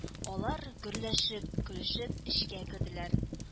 Алар, гөрләшеп, көлешеп, эчкә керделәр